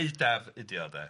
Eidaf ydio de.